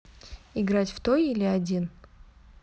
играть в той или один